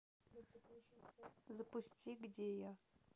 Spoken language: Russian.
запусти где я